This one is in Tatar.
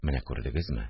Менә күрдегезме